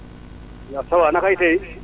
waaw ça va naka yite yi